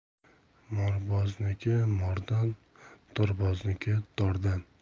morbozniki mordan dorbozniki dordan